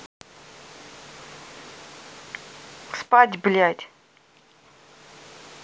спать блять